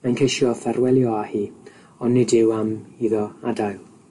Mae'n ceisio ffarwelio â hi, ond nid yw am iddo adael.